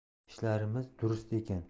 ishlarimiz durust ekan